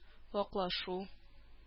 Ваклашу